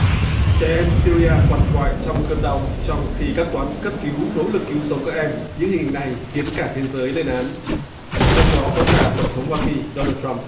trẻ em si ri a quằn quại trong cơn đau trong khi các toán cấp cứu nỗ lực cứu sống các em những hình ảnh này khiến cả thế giới lên án trong đó có cả tổng thống hoa kỳ đô nan trăm